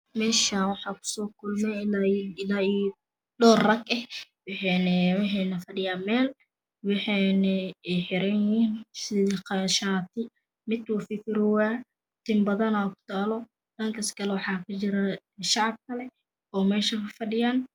Meshan waxa kuso kulmay ilaaiyo dhor rageh waxay na fadhiyan mel waxeyna xiranyihin sida shati mid wuu fikiroya Tinbadana kutalo Dhankas kalo waxakajira sharkale oo mesha fadhiyan